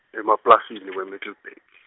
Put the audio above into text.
emaplasini we- Middelburg.